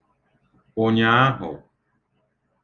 ụ̀nyàahụ̀